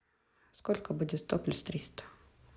сколько будет сто плюс триста